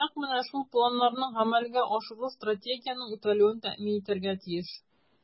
Нәкъ менә шул планнарны гамәлгә ашыру Стратегиянең үтәлүен тәэмин итәргә тиеш.